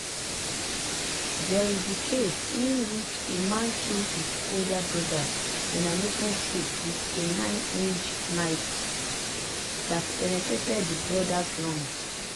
There is the case in which a man killed his older brother in an open street with a nine-inch fish knife that penetrated the brother's lungs.